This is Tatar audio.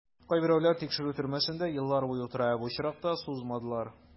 Кайберәүләр тикшерү төрмәсендә еллар буе утыра, ә бу очракта сузмадылар.